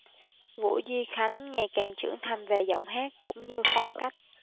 vũ duy khánh ngày càng trưởng thành về giọng hát cũng như phong cách